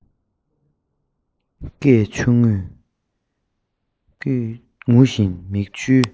སྐད ཆུང ངུས ངུ བཞིན མིག ཆུའི